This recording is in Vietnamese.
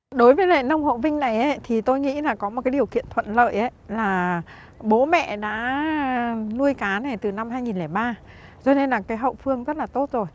đối với lại nông hộ vinh này ấy thì tôi nghĩ là có một cái điều kiện thuận lợi ấy là bố mẹ đã nuôi cá này từ năm hai nghìn lẻ ba rồi nên là cái hậu phương rất là tốt rồi